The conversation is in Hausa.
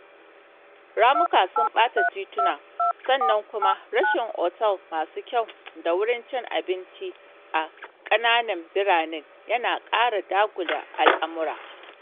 Ramuka sun ɓata tituna sannan kuma rashin otel masu kyau da wurin cin abinci a ƙananan birane yana ƙara dagula al'amura.